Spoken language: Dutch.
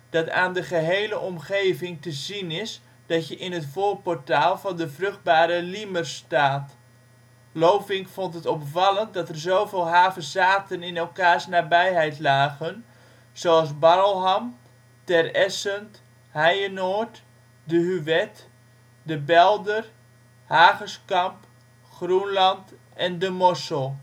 dat aan de gehele omgeving te zien is dat je in het voorportaal van de vruchtbare Liemers staat. Lovink vond het opvallend dat er zoveel havezaten in elkaars nabijheid lagen, zoals Barlham, Ter Essend, Heijenoord, De Huet, De Belder, Hagenskamp, Groenland en De Mossel